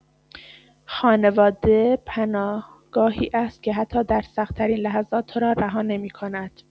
خانواده پناهگاهی است که حتی در سخت‌ترین لحظات تو را رها نمی‌کند.